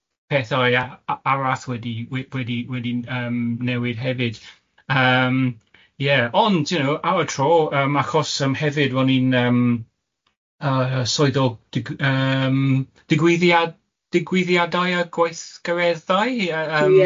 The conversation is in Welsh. pethau a- a- arall wedi we- wedi wedi yym newid hefyd yym ie ond, you know ar y tro yym achos yym hefyd ro'n i'n yym yy yy swyddog dig- yym digwyddiad- digwyddiadau a gweithgareddau yy yym... Ie.